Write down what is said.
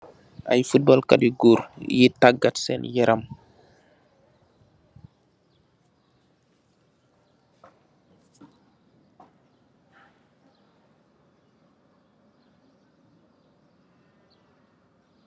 Ay futbal Kat ti gór yi tagat sèèn yaram.